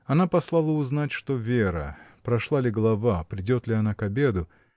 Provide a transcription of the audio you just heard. Она послала узнать, что Вера, прошла ли голова, придет ли она к обеду?